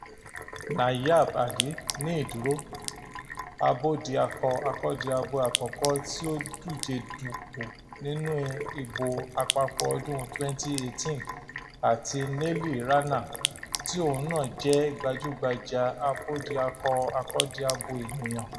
Nayaab Ali (ní ìdúró), abódiakọ-akọ́diabo àkọ́kọ́ tí ó dújedupò nínú ìbò àpapọ̀ ọdún 2018, àti Neeli Rana, tí òun náà jẹ́ gbajúgbajà abódiakọ-akọ́diabo ènìyàn.